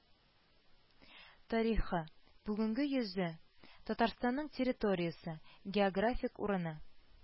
Тарихы, бүгенге йөзе, татарстанның территориясе, географик урыны,